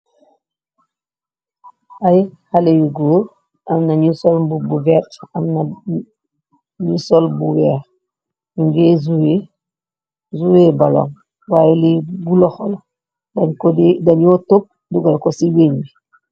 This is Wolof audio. Haley, haley yu gòor Amna nu sol mbubu bu vert, amna nu sol bu weeh. Nu ngè sowè, Sowè ballon why li bi loho la. Dan ko dey, danyo tapp dugal ko ci ween bi.